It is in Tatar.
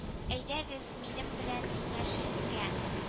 Әйдәгез минем белән киңәшергә